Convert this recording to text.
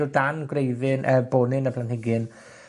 o dan gwreiddyn yy bonyn y planhigyn,